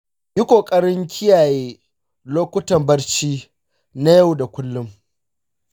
yi ƙoƙarin kiyaye lokutan barci na yau da kullum.